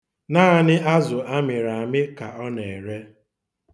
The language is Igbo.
Naanị azụ a mịrị amị ka ọ na-ere.